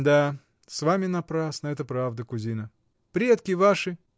— Да, с вами напрасно, это правда, кузина! Предки ваши.